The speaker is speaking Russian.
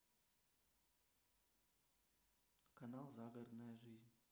канал загородная жизнь